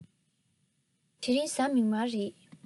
དེ རིང གཟའ མིག དམར རེད